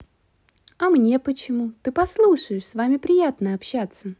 а мне почему ты послушаешь с вами приятно общаться